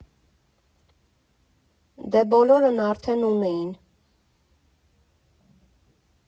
Դե բոլորն արդեն ունեին։